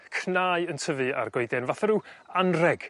cnau yn tyfu ar goeden fatha rw anreg